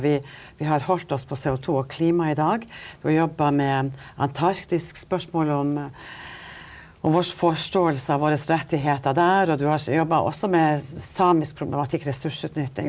vi vi har holdt oss på CO2 og klima i dag, du har jobba med Antarktis spørsmål om og forståelse av våre rettigheter der, og du har jobba også med samisk problematikk ressursutnytting.